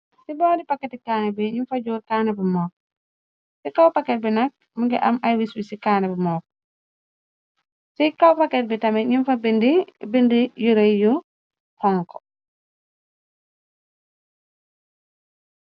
Ci boodi paketi kanné bi ñu fa joor kanné bu mook. Ci kaw paket bi nak mu ngi am i wis wis ci canné bu mook. Ci kaw paket bi tamit ñu fa bind bind yu rëy yu xonko.